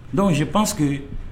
Dɔnku si pan sigi